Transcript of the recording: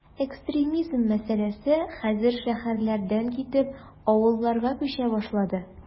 Экстремизм мәсьәләсе хәзер шәһәрләрдән китеп, авылларга “күчә” башлады.